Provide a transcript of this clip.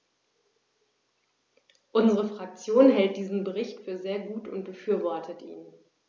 Unsere Fraktion hält diesen Bericht für sehr gut und befürwortet ihn.